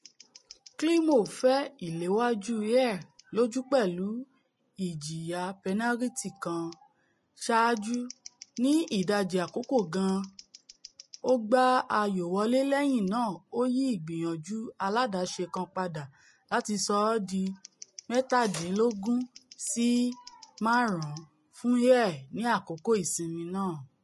Climo fẹ ìléwájú Ayr lójú pẹ̀lú ìjìyà pẹnariti kan, saájú, ní ìdajì àkókò gan-an, ó gbá ayò wọlé lẹ́yìn náà ó yí ìgbìyànjú aláàdáṣe kan padà láti sọ ọ́ di 17-5 fún Ayr ní àkókò ìsinmi náà.